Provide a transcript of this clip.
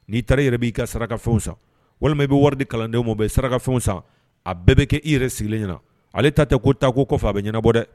N'i taara i yɛrɛ b'i ka saraka fɛnw san walima i bɛ wari di kalandenw ma u bɛ t'i ka saraka fɛnw san, a bɛɛ bɛ kɛ i yɛrɛ sigilen ɲana, ale ta tɛ ko ta ko a bɛ ɲanabɔ dɛ!